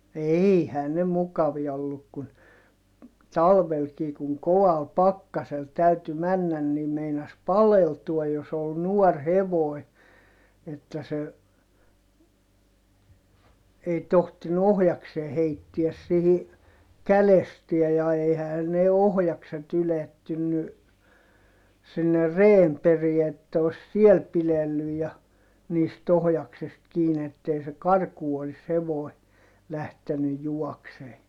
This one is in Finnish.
eihän ne mukavia ollut kun talvellakin kun kovalla pakkasella täytyi mennä niin meinasi paleltua jos oli nuori hevonen että se ei tohtinut ohjasta heittää siihen kädestään ja eihän ne ohjakset ylettynyt sinne reen perään että olisi siellä pidetty ja niistä ohjaksesta kiinni että ei se karkuun olisi hevonen lähtenyt juoksemaan